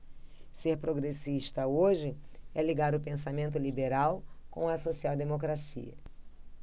ser progressista hoje é ligar o pensamento liberal com a social democracia